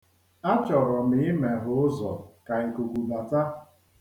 Achọrọ m imeghe ụzọ ka ikuku bata.